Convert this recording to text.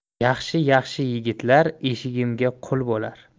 yaxshi yaxshi yigitlar eshigimga qui bo'lar